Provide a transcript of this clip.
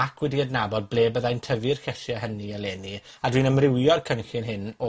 ac wedi adnabod ble byddai'n tyfu'r llysie hynny eleni, a dwi'n amrywio'r cynllun hyn o